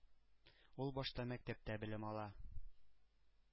Ул башта мәктәптә белем ала.